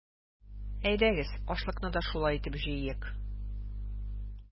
Әйдәгез, ашлыкны да шулай итеп җыйыйк!